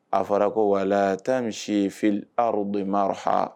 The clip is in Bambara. A fɔra ko wala' misi filirobumaruroha